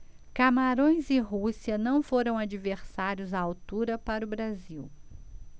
camarões e rússia não foram adversários à altura para o brasil